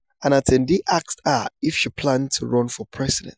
An attendee asked her if she planned to run for president.